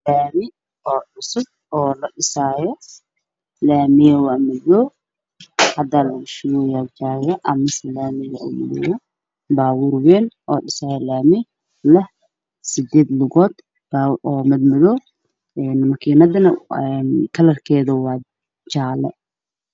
Laami oo cusub oo ladhisaayo laamiga waa madow hadaa lagu shubooyaa jayga amasa laamiga baabuur wayn ayaa dhigaayo laamiga sideed lugood oo mad madow makiinada kalarkeeda waa jaalle.